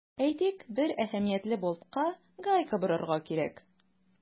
Әйтик, бер әһәмиятле болтка гайка борырга кирәк.